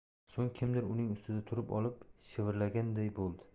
so'ng kimdir uning ustida turib olib shivirlaganday bo'ldi